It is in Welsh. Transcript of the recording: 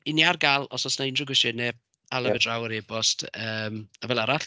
'Y ni ar gael, os oes 'na unrhyw gwestiynau... ia. ...hala fe draw ar e-bost yym a fel arall...